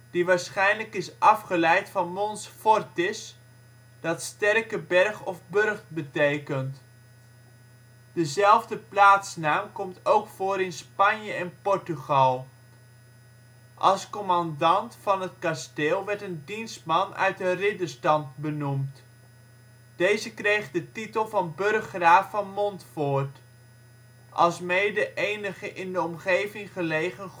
die waarschijnlijk is afgeleid van “Mons Fortis”, dat sterke berg of burcht betekent. Dezelfde plaatsnaam komt ook voor in Spanje en Portugal, zie Monforte. Als commandant van het kasteel werd een dienstman uit de ridderstand benoemd. Deze kreeg de titel van burggraaf van Montfoort, alsmede enige in de omgeving gelegen